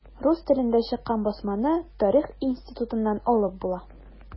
Рус телендә чыккан басманы Тарих институтыннан алып була.